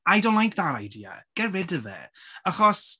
I don't like that idea. Get rid of it achos...